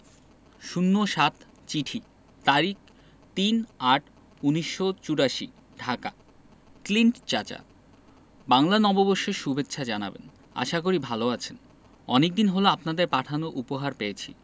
০৭ চিঠি তারিখ ৩-৮-১৯৮৪ ঢাকা ক্লিন্ট চাচা বাংলা নববর্ষের সুভেচ্ছা জানাবেন আশা করি ভালো আছেন অনেকদিন হল আপনাদের পাঠানো উপহার পেয়েছি